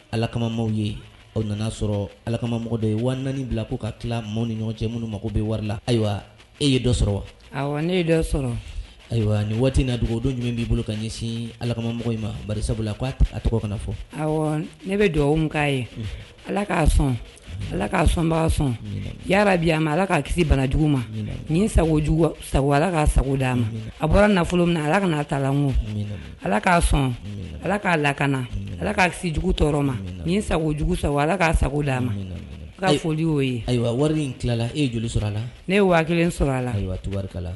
Ala kama mɔgɔw ye o nana sɔrɔ ala kama mɔgɔ dɔ ye wa bila' ka tila maaw ni ɲɔgɔn cɛ minnu mako bɛ warila ayiwa e ye dɔ sɔrɔ wa ne ye dɔ sɔrɔ ayiwa nin waati in na dogo don jumɛn b'i bolo ka ɲɛsin ala kamamɔgɔ in ma basa la a tɔgɔ kana fɔ ayiwa ne bɛ dugawu min k'a ye ala k'a sɔn ala k'a sɔnba sɔn yabi a ma ala k'a kisi bana jugu ma nin sago sago ala k' sago d'a ma a bɔra nafolo min ala kana a talamu ala k'a sɔn ala k'a lakana ala k'a kisi jugu tɔɔrɔ ma nin sago jugu sa ala k'a sago d'a ma k'a foli y o ye ayiwa wari in tilala e ye joli sɔrɔ a la ne ye wa kelen sɔrɔ a la warikala la